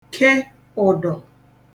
ke ụ̀dọ̀